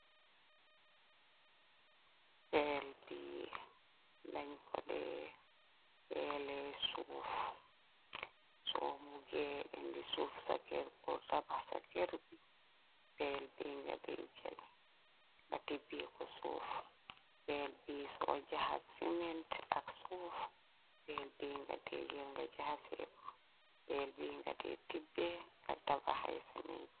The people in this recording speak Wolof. Peel bi dañ ko de weele suuf so mugee indi suuf sa kër bu rabax.Ca kër bi pel bi nga tibbee ko suuf peel bi soo jaxa simente. Ak suuf peel bi nga tee jël nga jaxaseep pel bi nga te tibbe nga dabaxay saneet.